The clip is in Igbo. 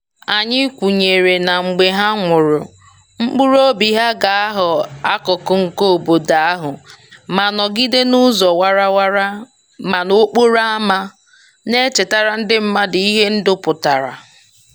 Anyị kwenyere na mgbe ha nwụrụ, mkpụrụ obi ha ga-aghọ akụkụ nke obodo ahụ ma nọgide n'ụzọ warawara ma n'okporo ámá, na-echetara ndị mmadụ ihe ndụ pụtara.